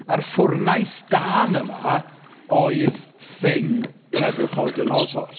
A'r ffwrnais dân yma oedd thing Nebiwchodynosor.